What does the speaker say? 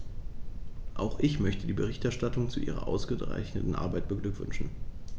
Auch ich möchte die Berichterstatterin zu ihrer ausgezeichneten Arbeit beglückwünschen.